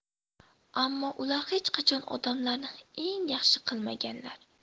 ammo ular hech qachon odamlarni eng yaxshi qilmaganlar